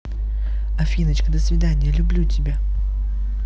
афиночка до свидания люблю тебя